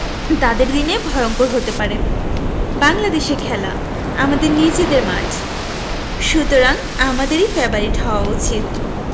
তাদের দিনে ভয়ংকর হতে পারে বাংলাদেশে খেলা আমাদের নিজেদের মাঠ সুতরাং আমাদেরই ফেবারিট হওয়া উচিত